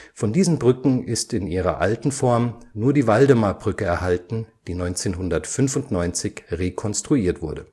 Von diesen Brücken ist in ihrer alten Form nur die Waldemarbrücke erhalten, die 1995 rekonstruiert wurde